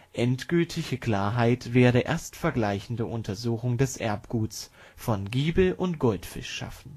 Endgültige Klarheit werden erst vergleichende Untersuchungen des Erbguts von Giebel und Goldfisch schaffen